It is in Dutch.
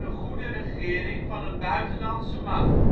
goede regering van een buitenlandse macht